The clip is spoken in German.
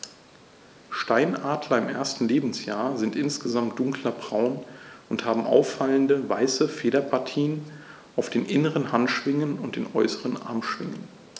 Steinadler im ersten Lebensjahr sind insgesamt dunkler braun und haben auffallende, weiße Federpartien auf den inneren Handschwingen und den äußeren Armschwingen.